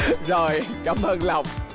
rồi cám ơn lộc